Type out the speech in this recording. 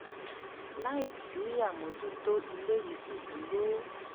Láìsí àmójútó, ilé yìí ṣì dúró.